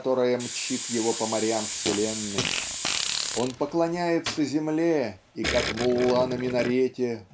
которая мчит его по морям вселенной. Он поклоняется земле и "как мулла на минарете"